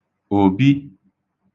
òbi